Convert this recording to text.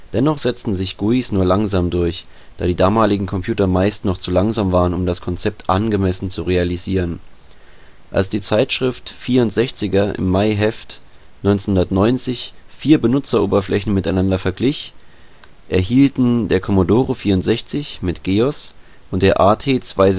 Dennoch setzten sich GUIs nur langsam durch, da die damaligen Computer meist noch zu langsam waren, um das Konzept angemessen zu realisieren. Als die Zeitschrift 64'er im Mai-Heft 1990 vier Benutzeroberflächen miteinander verglich, erhielten der Commodore 64 (mit GEOS) und der AT 286